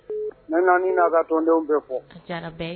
Ne nana na tɔndenw bɛ fɔ